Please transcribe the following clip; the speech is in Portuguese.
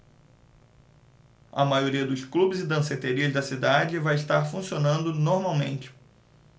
a maioria dos clubes e danceterias da cidade vai estar funcionando normalmente